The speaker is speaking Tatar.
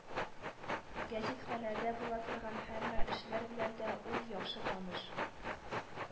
Гәзитханәдә була торган һәммә эшләр белән дә ул яхшы таныш